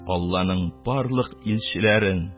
Алланың барлык илчеләрен,